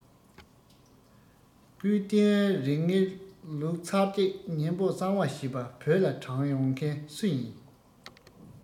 སྐུའི རྟེན རིགས ལྔའི ལུགས ཚར གཅིག གཉན པོ གསང བ ཞེས པ བོད ལ དྲངས ཡོང མཁན སུ ཡིན